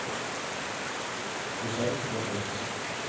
смешарики про космос